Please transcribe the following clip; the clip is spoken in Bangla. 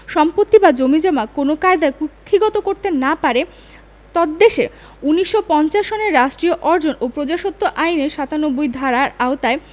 সম্পত্তি বা জমিজমা কোনও কায়দায় কুক্ষীগত করতে না পারে তদ্দেশে ১৯৫০ সনের রাষ্ট্রীয় অর্জন ও প্রজাস্বত্ব আইনের ৯৭ ধারার আওতায়